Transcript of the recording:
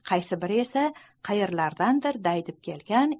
qaysi biri esa qayerlardandir daydib kelgan